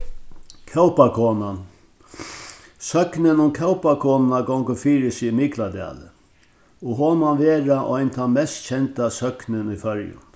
kópakonan søgnin um kópakonuna gongur fyri seg í mikladali og hon man vera ein tann mest kenda søgnin í føroyum